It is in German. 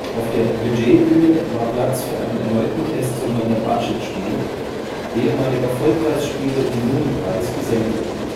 Auf der Budget Bühne war Platz für einen erneuten Test sogenannter Budget-Spiele, ehemaliger Vollpreisspiele, die nun im Preis gesenkt wurden